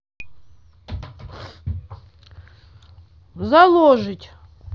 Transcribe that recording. заложить